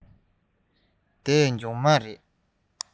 འདི ཕྱགས མ རིད